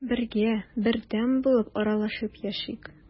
Бергә, бердәм булып аралашып яшик.